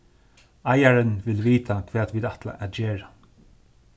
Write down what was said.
eigarin vil vita hvat vit ætla at gera